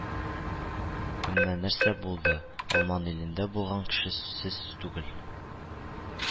- ә менә нәрсә булды: алман илендә булган кеше сез түгел